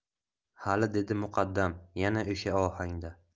hali dedi muqaddam yana o'sha ohangda